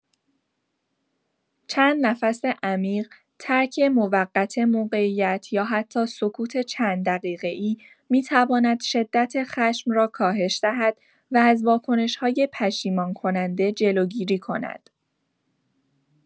چند نفس عمیق، ترک موقت موقعیت یا حتی سکوت چند دقیقه‌ای می‌تواند شدت خشم را کاهش دهد و از واکنش‌های پشیمان‌کننده جلوگیری کند.